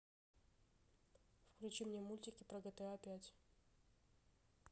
включи мне мультики про гта пять